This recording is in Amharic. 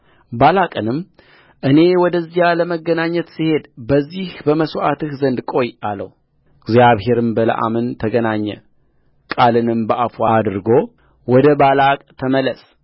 ባላቅንም እኔ ወደዚያ ለመገናኘት ስሄድ በዚህ በመሥዋዕትህ ዘንድ ቆይ አለውእግዚአብሔርም በለዓምን ተገናኘ ቃልንም በአፉ አድርጎ ወደ ባላቅ ተመለስ